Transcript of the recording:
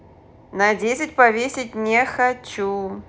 на десять повесить не хочу